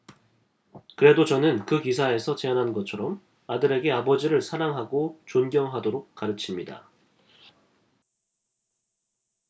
그래도 저는 그 기사에서 제안한 것처럼 아들에게 아버지를 사랑하고 존경하도록 가르칩니다